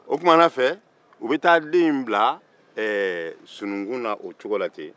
o tumana fɛ u bɛ taa den in bila sununkun na o cogo la ten